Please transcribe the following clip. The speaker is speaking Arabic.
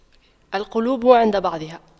القلوب عند بعضها